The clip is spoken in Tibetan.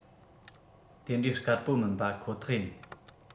དེ འདྲའི དཀར བོ མིན པ ཁོ ཐག ཡིན